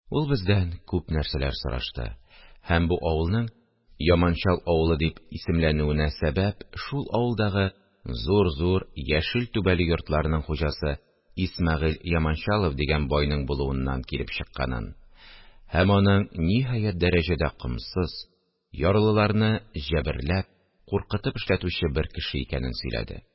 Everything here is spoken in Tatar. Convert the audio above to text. Ул бездән күп нәрсәләр сорашты һәм бу авылның Яманчал авылы дип исемләнүенә сәбәп шул авылдагы зур-зур яшел түбәле йортларның хуҗасы Исмәгыйль Яманчалов дигән байның булуыннан килеп чыкканын һәм аның ниһаять дәрәҗәдә комсыз, ярлыларны җәберләп, куркытып эшләтүче бер кеше икәнен сөйләде